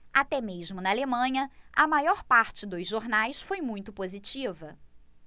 até mesmo na alemanha a maior parte dos jornais foi muito positiva